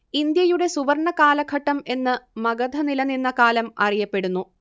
ഇന്ത്യയുടെ സുവർണ്ണ കാലഘട്ടം എന്ന് മഗധ നിലനിന്ന കാലം അറിയപ്പെടുന്നു